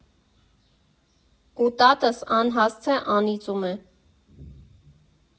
Ու տատս անհասցե անիծում է.